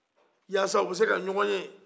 yasa u bɛ se ka ɲɔgɔn ye